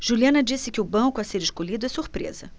juliana disse que o banco a ser escolhido é surpresa